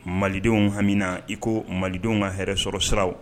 Malidenw hamina, i ko malidenw ka hɛrɛ sɔrɔ siraw.